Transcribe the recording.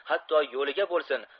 hatto yo'liga bo'lsin